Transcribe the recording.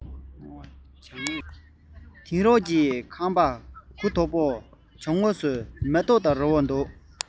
ཀ བས ཁེངས པས དེང རབས ཀྱི ཁང པ གུ དོག པའི སྣང བ གྱང ངོས སུ མེ ཏོག དང རི བོ